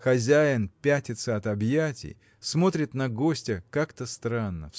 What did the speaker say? Хозяин пятится от объятий, смотрит на гостя как-то странно.